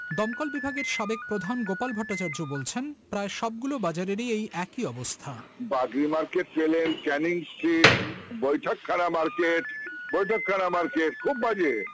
দমকল বিভাগের সাবেক প্রধান গোপাল ভট্টাচার্য বলছেন সবগুলো বাজারের ই এই একই অবস্থা বাগরি মার্কেট গেলে Canning street Baithakkhana market Baithakkhana market খুব বাজে